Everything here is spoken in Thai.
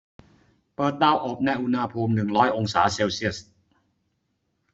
เปิดเตาอบในอุณหภูมิหนึ่งร้อยองศาเซลเซียส